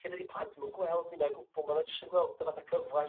Lle dydi plant 'im yn gweld hynna o gwbwl, ma' nhw jyst yn gweld y fath a cyfla